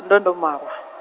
ndo ndo malwa.